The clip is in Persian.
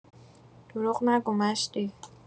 دروغ نگو مشدی